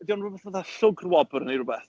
Ydy o'n rhwbeth fatha llwgrwobr neu rywbeth?